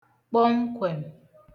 kpọmkwẹ̀m